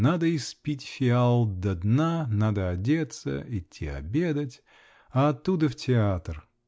Надо испить фиал до дна, надо одеться, идти обедать -- а оттуда в театр.